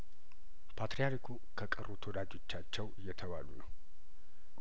ፓትርያርኩ ከቀሩት ወዳጆቻቸው እየተባሉ ነው